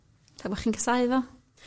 E'lla bo' chi'n cysau fo.